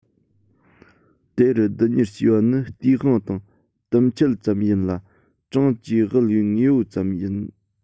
དེ རུ བསྡུ ཉར བྱས པ ནི སྟེས དབང དང དུམ ཆད ཙམ ཡིན ལ གྲངས ཀྱིས དབུལ བའི དངོས པོ ཙམ ཡིན